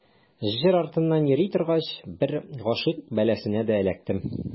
Җыр артыннан йөри торгач, бер гыйшык бәласенә дә эләктем.